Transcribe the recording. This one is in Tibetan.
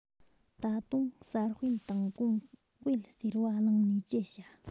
ད དུང གསར སྤེལ དང གོང སྤེལ ཟེར བ གླེང ནས ཅི བྱ